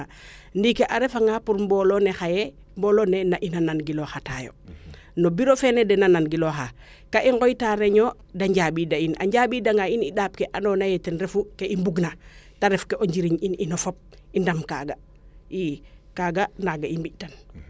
ndiiki a refa pour mboolo ne xaye mbolo ne na in a nan gilooxa taayo no bureau feene dena nan gilooxa kaa i ngooyta reunion de njambida in a njambida nga in i ndaap ke ando naye ten refu ke i mbung na te ref o njiriñ ino fop i ndam kaaga i kaaga naaga i mbitan